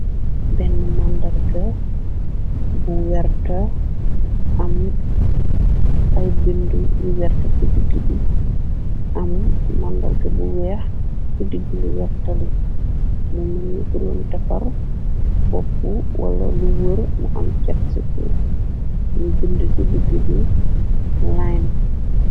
benn màndarga bu wer aay bind yu werta ki digg bi am màndarga bu weex ci digglu wertali mu melni ku doon defar bopp wala lu wër mu am cet ci ku ni bind ci digg bi lin